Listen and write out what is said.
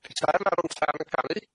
Petai'r larwm tân yn canu,